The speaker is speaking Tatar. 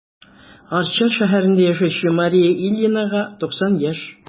Арча шәһәрендә яшәүче Мария Ильинага 90 яшь.